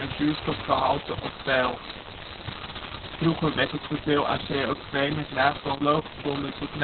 zuurstofgehalte op peil. Vroeger werd het teveel aan CO2 met natronloog gebonden tot natriumcarbonaat